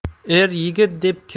er yigit deb kim